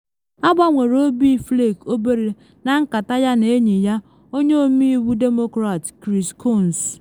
Agbanwere obi Flake obere na nkata ya na enyi ya, Onye Ọmeiwu Demokrat Chris Coons.